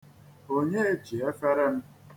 Onye ji efere m?